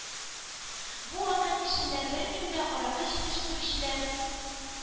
Бу вакыт эчендә беркем дә аракы җитештерүчеләр,